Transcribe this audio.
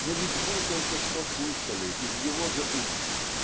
Но ведь мы только что слышали из его же уст